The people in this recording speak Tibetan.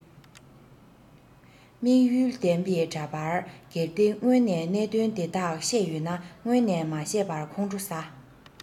དམིགས ཡུལ ལྡན པའི འདྲ པར གལ ཏེ སྔོན ནས གནད དོན དེ དག བཤད ཡོད ན སྔོན ནས མ བཤད པར ཁོང ཁྲོ ཟ